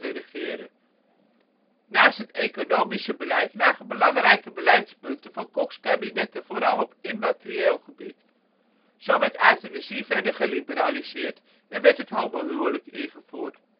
regeren. Naast het economische beleid lagen belangrijke beleidspunten van Koks kabinetten vooral op immaterieel gebied. Zo werd euthanasie verder geliberaliseerd en werd het homohuwelijk ingevoerd